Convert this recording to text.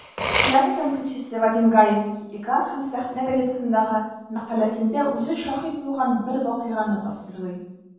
Театр тәнкыйтьчесе Вадим Гаевский "Экран һәм сәхнә" газетасындагы мәкаләсендә үзе шаһит булган бер вакыйганы тасвирлый.